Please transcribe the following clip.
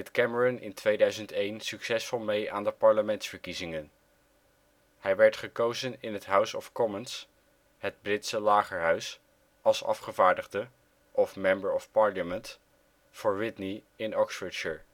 Cameron in 2001 succesvol mee aan de parlementsverkiezingen. Hij werd gekozen in het House of Commons, het Britse lagerhuis, als afgevaardigde (Member of Parliament) voor Witney in Oxfordshire